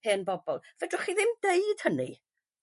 hen bobol fedrwch chi ddim deud hynny.